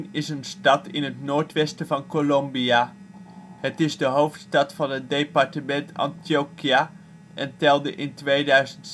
is een stad in het noordwesten van Colombia. Het is de hoofdstad van het departement Antioquia en telde in 2006 2,4